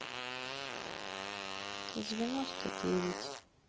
девяносто девять